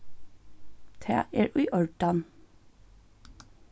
tað er í ordan